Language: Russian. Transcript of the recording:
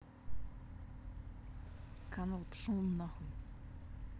канал пошел нахуй